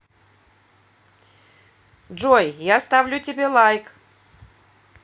джой я тебе ставлю лайк